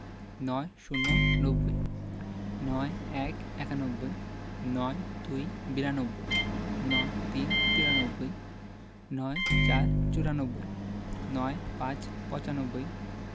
৯০ - নব্বই ৯১ - একানব্বই ৯২ - বিরানব্বই ৯৩ - তিরানব্বই ৯৪ – চুরানব্বই ৯৫ - পচানব্বই